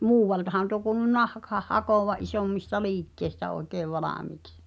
muualtahan tuo kuului - nahkansa hakevan isommista liikkeistä oikein valmiiksi